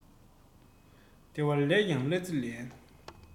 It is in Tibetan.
ལྟེ བ ལས ཀྱང གླ རྩི ལེན